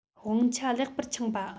དབང ཆ ལེགས པར འཆང བ